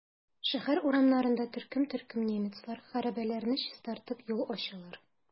Шәһәр урамнарында төркем-төркем немецлар хәрабәләрне чистартып, юл ачалар.